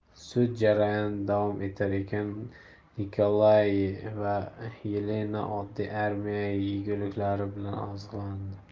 sud jarayoni davom etar ekan nikolaye va yelena oddiy armiya yeguliklari bilan oziqlandi